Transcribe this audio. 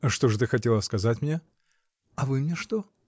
— Что же ты хотела сказать мне? — А вы мне что?